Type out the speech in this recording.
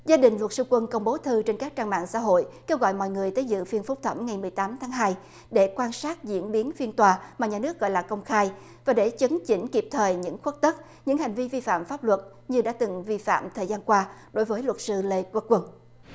gia đình luật sư quận công bố thư trên các trang mạng xã hội kêu gọi mọi người tới dự phiên phúc thẩm ngày mười tám tháng hai để quan sát diễn biến phiên tòa mà nhà nước gọi là công khai và để chấn chỉnh kịp thời những khuất tất những hành vi vi phạm pháp luật như đã từng vi phạm thời gian qua đối với luật sư lê quốc quân